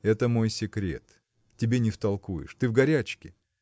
– Это мой секрет; тебе не втолкуешь: ты в горячке.